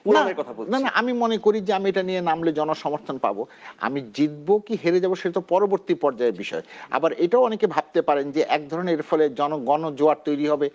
পূরণের কথা বলছি না না আমি মনে করি যে আমি এটা নিয়ে নামলে জনসমর্থন পাব আমি জিতব কি হয়ে যাব সেতো পরবর্তী পর্যায়ের বিষয় এটা অনেকে ভাবতে পারেন যে এক ধরনের ফলে জন গণ জোয়ার তৈরি হবে